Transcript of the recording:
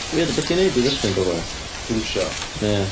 Weird o beth i wneud i ddychryn pobl... dawnsio? ...Ia.